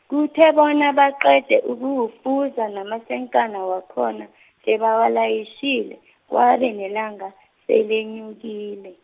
kuthe bona baqede ukuwufuza namasenkana wakhona, sebawalayitjhile, kwabe nelanga, selenyukile.